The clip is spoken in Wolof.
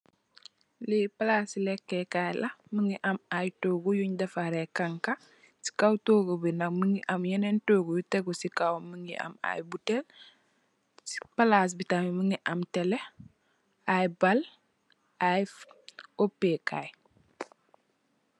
Li palasi lèkkèè kay la mugii am ay tohgu yun defarr rèè xangxa, si kaw tohgu bi nat mugii am yenen tohgu yu tégu ci kawam, mugii am ay bottèl. Ci palas bi tamid mugi am tele ay bal ay upekay.